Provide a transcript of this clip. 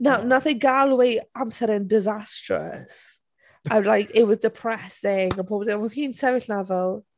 Na wnaeth e galw ei amser e'n disastrous. And like "it was depressing", a oedd hi'n sefyll yna fel...